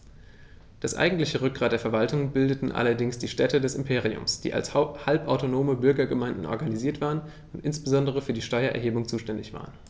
Das eigentliche Rückgrat der Verwaltung bildeten allerdings die Städte des Imperiums, die als halbautonome Bürgergemeinden organisiert waren und insbesondere für die Steuererhebung zuständig waren.